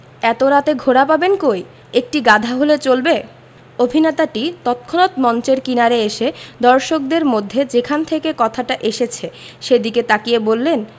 এত রাতে ঘোড়া পাবেন কই একটি গাধা হলে চলবে অভিনেতাটি তৎক্ষনাত মঞ্চের কিনারে এসে দর্শকদের মধ্যে যেখান থেকে কথাটা এসেছে সেদিকে তাকিয়ে বললেন